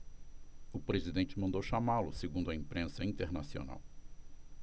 o presidente mandou chamá-lo segundo a imprensa internacional